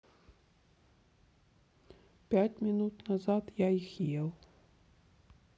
пять минут назад я их ел